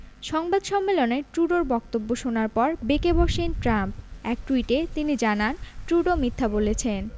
সংবাদ সম্মেলনে ট্রুডোর বক্তব্য শোনার পর বেঁকে বসেন ট্রাম্প এক টুইটে তিনি জানান ট্রুডো মিথ্যা বলেছেন